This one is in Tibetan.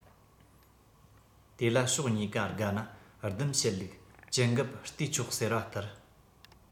དེ ལ ཕྱོགས གཉིས ཀ དགའ ན སྡུམ བྱེད ལུགས ཇི འགབ བལྟས ཆོག ཟེར བ ལྟར